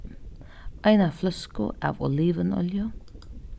eina fløsku av olivinolju